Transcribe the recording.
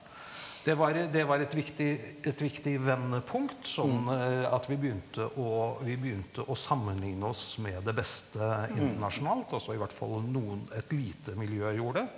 det var det var et viktig et viktig vendepunkt sånn at vi begynte å vi begynte å sammenligne oss med det beste internasjonalt, altså i hvert fall noen et lite miljø gjorde det.